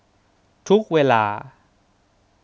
ทุกเวลา